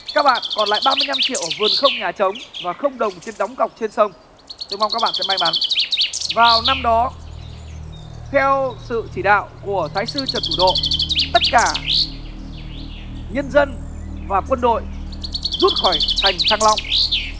các bạn còn lại ba mươi nhăm triệu vườn không nhà trống và không đồng trên đóng cọc trên sông tôi mong các bạn sẽ may mắn vào năm đó theo sự chỉ đạo của thái sư trần thủ độ tất cả nhân dân và quân đội rút khỏi thành thăng long